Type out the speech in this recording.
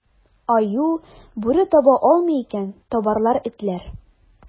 Аю, бүре таба алмый икән, табарлар этләр.